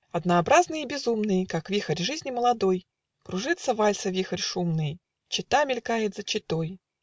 Х Однообразный и безумный, Как вихорь жизни молодой, Кружится вальса вихорь шумный Чета мелькает за четой.